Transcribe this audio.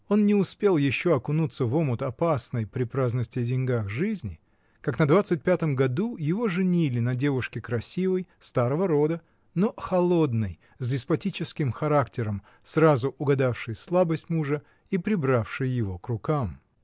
Он не успел еще окунуться в омут опасной, при праздности и деньгах, жизни, как на двадцать пятом году его женили на девушке красивой, старого рода, но холодной, с деспотическим характером, сразу угадавшей слабость мужа и прибравшей его к рукам.